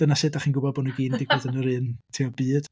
Dyna sut dach chi'n gwybod bod nhw i gyd yn digwydd yn yr un tibod byd.